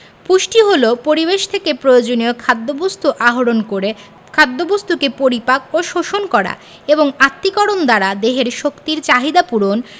পুষ্টি হলো পরিবেশ থেকে প্রয়োজনীয় খাদ্যবস্তু আহরণ করে খাদ্যবস্তুকে পরিপাক ও শোষণ করা এবং আত্তীকরণ দ্বারা দেহের শক্তির চাহিদা পূরণ